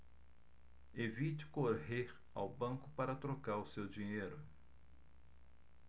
evite correr ao banco para trocar o seu dinheiro